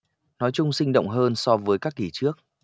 nói chung sinh động hơn so với các kỳ trước